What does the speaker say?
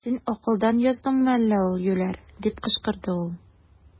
Син акылдан яздыңмы әллә, юләр! - дип кычкырды ул.